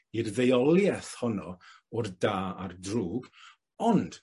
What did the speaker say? i'r ddeuolieth honno o'r da a'r drwg, ond